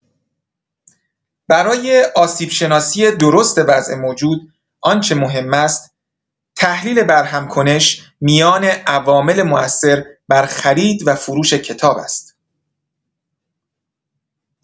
برای آسیب‌شناسی درست وضع موجود آنچه مهم است تحلیل برهم‌کنش میان عوامل موثر بر خرید و فروش کتاب است.